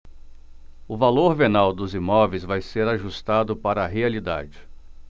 o valor venal dos imóveis vai ser ajustado para a realidade